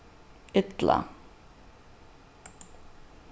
illa